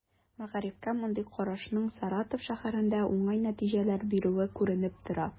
Мәгарифкә мондый карашның Саратов шәһәрендә уңай нәтиҗәләр бирүе күренеп тора.